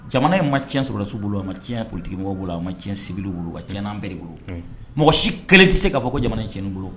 Jamana in ma tiɲɛ sɔrɔlasiw bolo a ma tiɲɛ ptigimɔgɔ bolo a ma tiɲɛsinbili bolo a tian bɛɛri bolo mɔgɔ si kɛlɛ tɛ se k'a fɔ ko jamana ti bolo